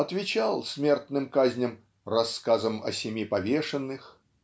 отвечал смертным казням "Рассказом о семи повешенных"